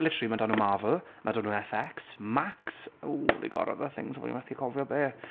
Literally, ma' 'da nhw Marvel, ma' 'da nhw FX, Max. Www, they've got other things ond fi methu cofio be.